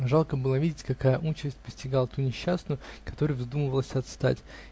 Жалко было видеть, какая участь постигала ту несчастную, которой вздумывалось отстать.